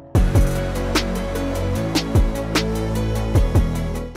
Sanunɛ